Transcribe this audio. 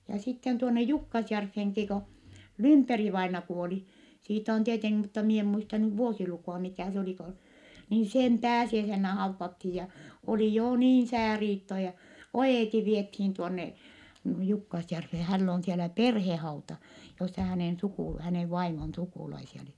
ja sitten tuonne Jukkasjärveenkin kun Lymperi-vainaja kuoli siitä on tietenkin mutta minä en muista nyt vuosilukua mikä se oli kun niin sen pääsiäisenä haudattiin ja oli jo niin sääriitto ja oieti vietiin tuonne Jukkasjärveen hänellä on siellä perhehauta jossa hänen - hänen vaimon sukulaisia oli